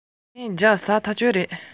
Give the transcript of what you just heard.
སྒྲུང ཡིག གི སློབ ཚན ཞིག ཡོད ན ཁྱོད ཀྱིས